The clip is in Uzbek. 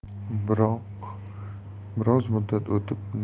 biroq biroz muddat o'tib